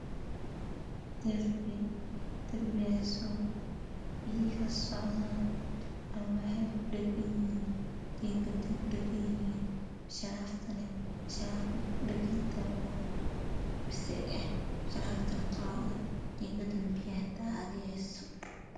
Darbiga biyo kasocoto jiinkad kudhqan yihiin